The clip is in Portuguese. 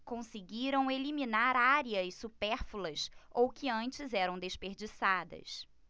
conseguiram eliminar áreas supérfluas ou que antes eram desperdiçadas